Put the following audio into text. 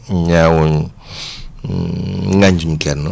ñaawuñ ŋàññuñ kenn